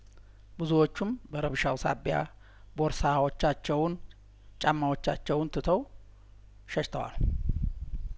ብዙዎችም በረብሻው ሳቢያ ቦርሳዎቻቸውን ጫማዎቻቸውንት ትው ሸሽተዋል